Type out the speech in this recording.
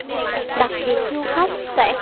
đặc biệt du khách sẽ